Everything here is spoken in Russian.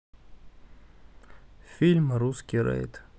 фильм русский рейд